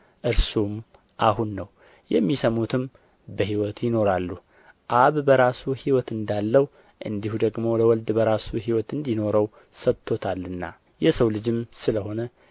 እርሱም አሁን ነው የሚሰሙትም በሕይወት ይኖራሉ አብ በራሱ ሕይወት እንዳለው እንዲሁ ደግሞ ለወልድ በራሱ ሕይወት እንዲኖረው ሰጥቶታልና የሰው ልጅም ስለ ሆነ